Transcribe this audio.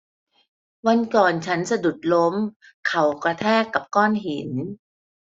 วันก่อนฉันสะดุดล้มเข่ากระแทกกับก้อนหิน